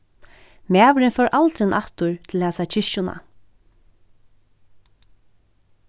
maðurin fór aldrin aftur til hasa kirkjuna